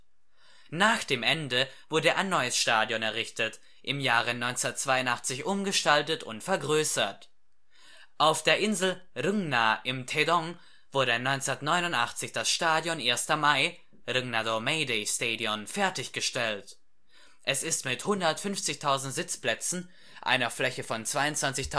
Nach dem Krieg wurde ein neues Stadion errichtet, im Jahre 1982 umgestaltet und vergrößert. Auf der Insel Rungna im Taedong wurde 1989 das Stadion Erster Mai (Rungnado-May-Day-Stadion) fertiggestellt. Es ist mit 150.000 Sitzplätzen, einer Fläche von 22.500